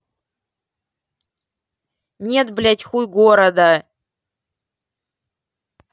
нет блядь хуй города